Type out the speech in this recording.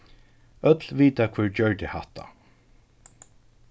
øll vita hvør gjørdi hatta